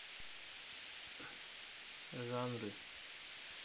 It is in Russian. жанры